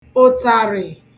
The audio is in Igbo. ụ̀tàrị̀